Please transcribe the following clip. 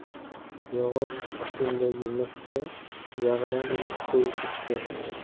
yog'och ustundagi mixga jag'idan ilib qo'yishibdi